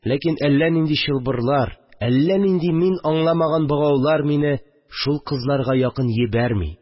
Ләкин әллә нинди чылбырлар, әллә нинди мин аңламаган богаулар мине шул кызларга якын йибәрми